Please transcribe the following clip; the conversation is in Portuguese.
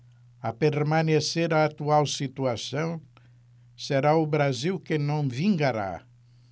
a permanecer a atual situação será o brasil que não vingará